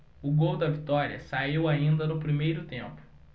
o gol da vitória saiu ainda no primeiro tempo